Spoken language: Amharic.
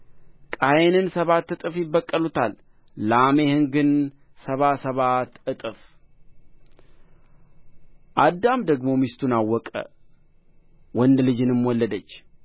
ቃየንን ሰባት እጥፍ ይበቀሉታል ላሜሕን ግን ሰባ ሰባት እጥፍ አዳም ደግሞ ሚስቱን አወቀ ወንድ ልጅንም ወለደች